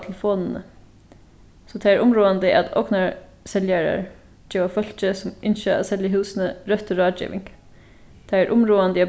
telefonini so tað er umráðandi at ognarseljarar geva fólki sum ynskja at selja húsini røttu ráðgeving tað er umráðandi at